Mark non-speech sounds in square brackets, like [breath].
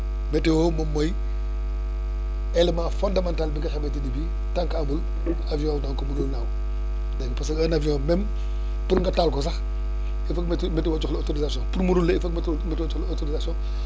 météo moom mooy élément fondamental bi nga xamante ne bii tant que amul [noise] avion yi donc munul naaw dégg nga parce que un avion même pour nga taal ko sax il foog météo météo jox la autorisation pour mu rouler il foog météo jox la autorisation [breath]